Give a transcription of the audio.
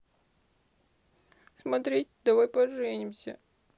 смотреть давай поженимся